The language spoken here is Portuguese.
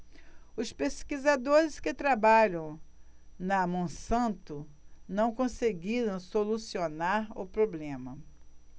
os pesquisadores que trabalham na monsanto não conseguiram solucionar o problema